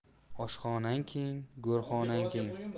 oshxonang keng go'rxonang keng